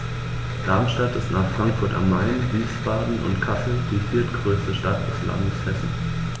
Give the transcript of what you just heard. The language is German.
Darmstadt ist nach Frankfurt am Main, Wiesbaden und Kassel die viertgrößte Stadt des Landes Hessen